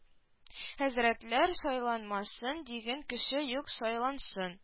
Хәзрәтләр сайланмасын дигән кеше юк сайлансын